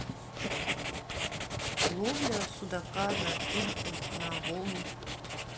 ловля судака на тюльку на волге